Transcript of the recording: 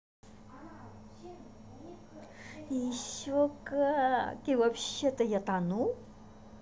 еще как и вообще то я тону